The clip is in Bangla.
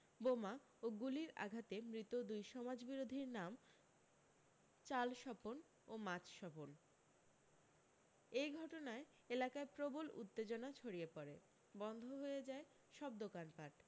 বোমা ও গুলির আঘাতে মৃত দুই সমাজবিরোধীর নাম চাল স্বপন ও মাছ স্বপন এই ঘটনায় এলাকায় প্রবল উত্তেজনা ছড়িয়ে পড়ে বন্ধ হয়ে যায় সব দোকানপাট